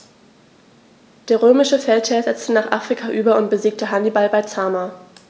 Der römische Feldherr setzte nach Afrika über und besiegte Hannibal bei Zama.